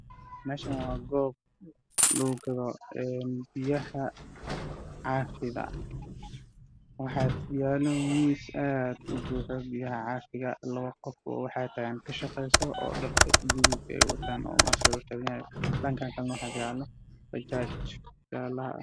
Waa meesha lagu sameeyo biyaha watarka waxaa ka shaqeynayo niman fara badan waxay wataan dhar gaduud ah